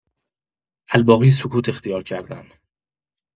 الباقی سکوت اختیار کردن.